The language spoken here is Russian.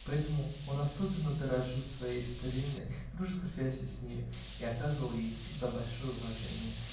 поэтому он особенно дорожил своей старинной, дружеской связью с нею и оказывал ей всегда большое уважение.